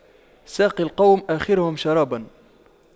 ساقي القوم آخرهم شراباً